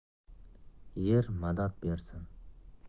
yer madad bersin